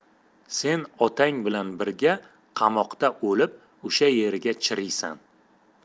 sen otang bilan birga qamoqda o'lib o'sha yerda chiriysan